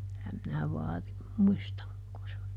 kyllä minä vaarin muistan kun se on